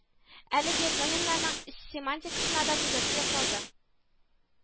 Әлеге этнонимнарның семантикасына да күзәтү ясалды